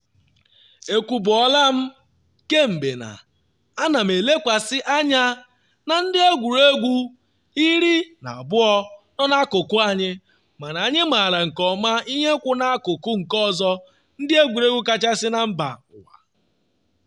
Ekwubuola m kemgbe na, A na m elekwasa anya na ndị egwuregwu 12 nọ n’akụkụ anyị, mana anyị maara nke ọma ihe kwụ n’akụkụ nke ọzọ - ndị egwuregwu kachasị na mba ụwa.”